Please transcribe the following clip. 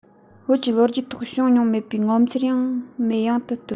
བོད ཀྱི ལོ རྒྱུས ཐོག བྱུང མྱོང མེད པའི ངོ མཚར ཡང ནས ཡང དུ བཏོད